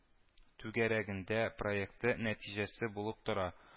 Түгәрәгендә” проекты нәтиҗәсе булып тора